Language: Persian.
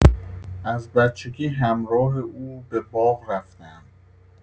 از بچگی همراه او به باغ رفته‌ام.